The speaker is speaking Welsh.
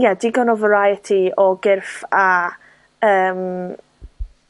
ie, digon o varietyo gyrff a, yym,